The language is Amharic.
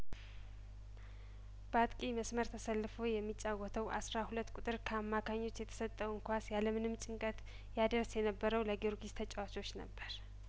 በአጥቂ መስመር ተሰልፎ የሚጫወተው አስራ ሁለት ቁጥር ከአማካኞች የተሰጠውን ኳስ ያለምንም ጭንቀት ያደርስ የነበረው ለጊዮርጊስ ተጫዋቾች ነበር